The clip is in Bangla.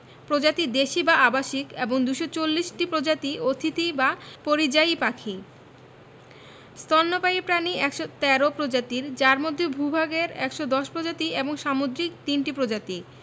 প্রজাতি দেশী বা আবাসিক এবং ২৪০ টি প্রজাতি অতিথি বা পরিযায়ী পাখি স্তন্যপায়ী প্রাণী ১১৩ প্রজাতির যার মধ্যে ভূ ভাগের ১১০ প্রজাতি ও সামুদ্রিক ৩ টি প্রজাতি